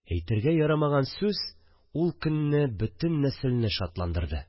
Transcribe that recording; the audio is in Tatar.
Әйтергә ярамаган сүз ул көнне бөтен нәселне шатландырды